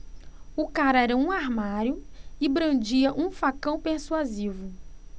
o cara era um armário e brandia um facão persuasivo